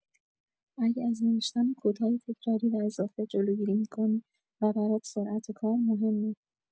اگه از نوشتن کدهای تکراری و اضافه جلوگیری می‌کنی و برات سرعت کار مهمه